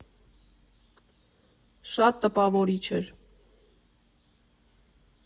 Շատ տպավորիչ էր։